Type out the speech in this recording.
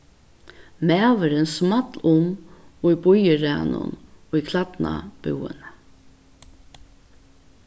maðurin small um í bíðiraðnum í klædnabúðini